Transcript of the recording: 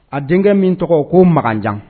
A denkɛ min tɔgɔ, ko Makanjan